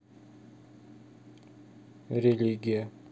религия